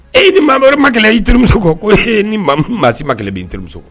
E ni maa wɛrɛ ma kelen i terimuso kɔ ko ni maa si ma kelen bɛ terimuso